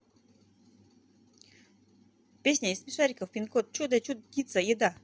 песня из смешариков пин код чудо чудится еда